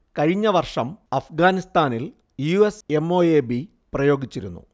കഴിഞ്ഞ വർഷം അഫ്ഗാനിസ്ഥാനിൽ U. S. M. O. A. B. പ്രയോഗിച്ചിരുന്നു